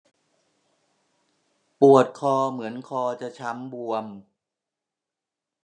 ปวดคอเหมือนคอจะช้ำบวม